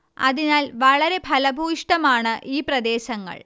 അതിനാൽ വളരെ ഫലഭൂയിഷ്ടമാണ് ഈ പ്രദേശങ്ങൾ